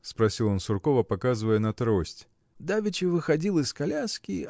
– спросил он Суркова, показывая на трость. – Давеча выходил из коляски.